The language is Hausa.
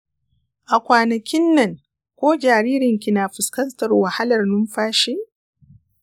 a kwanakin nan, ko jaririnki na fuskantar wahalar numfashi?